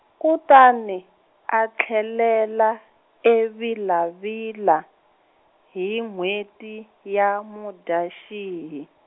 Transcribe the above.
kutani a tlhelela eVila-Vila, hi n'hweti, ya Mudyaxihi.